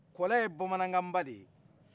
kɔlɛ ye bamanankan ba de ye